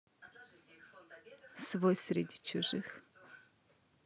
свой среди чужих